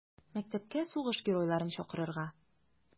Мәктәпкә сугыш геройларын чакырырга.